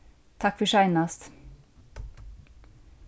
takk fyri seinast